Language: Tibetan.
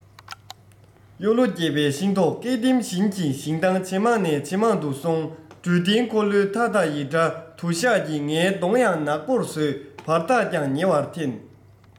གཡོ ལོ རྒྱས པའི ཤིང ཏོག སྐེས ཐེམ བཞིན གྱི ཞིང ཐང ཇེ མང ནས ཇེ མང དུ སོང འདྲུད འཐེན འཁོར ལོའི ཐ ཐ ཡི སྒྲ དུ ཞགས ཀྱིས ངའི གདོང ཡང ནག པོར བཟོས བར ཐག ཀྱང ཉེ བར འཐེན